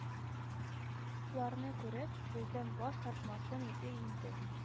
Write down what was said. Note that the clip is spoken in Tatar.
Ларны күреп, бездән баш тартмасын иде инде